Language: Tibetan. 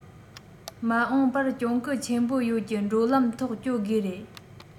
མ འོངས པར གྱོང གུན ཆེན པོ ཡོད ཀྱི འགྲོ ལམ ཐོག སྐྱོད དགོས རེད